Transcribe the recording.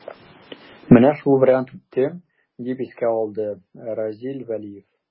Менә шул вариант үтте, дип искә алды Разил Вәлиев.